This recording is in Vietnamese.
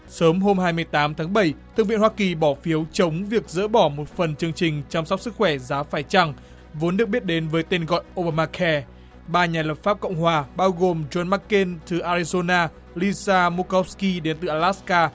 sớm hôm hai mươi tám tháng bảy thượng viện hoa kỳ bỏ phiếu trống việc dỡ bỏ một phần chương trình chăm sóc sức khỏe giá phải chăng vốn được biết đến với tên gọi ô ba ma ke ba nhà lập pháp cộng hòa bao gồm dôn mắc kên thù a ri do na li da mô cốp ki đến từ a lát ka